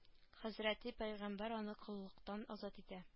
Хәзрәти пәйгамбәр аны коллыктан азат итә